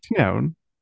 Ti'n iawn?